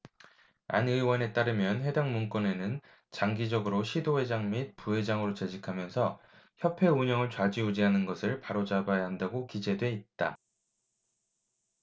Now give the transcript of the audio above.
안 의원에 따르면 해당 문건에는 장기적으로 시도회장 및 부회장으로 재직하면서 협회 운영을 좌지우지하는 것을 바로잡아야 한다고 기재돼 있다